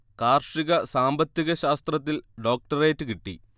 കാർഷിക സാമ്പത്തിക ശാസ്ത്രത്തിൽ ഡോക്ടറേറ്റ് കിട്ടി